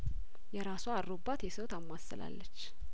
የራሷ አሮባት የሰው ታማስላለች